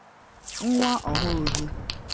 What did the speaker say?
Nwa ọhụrụ gị?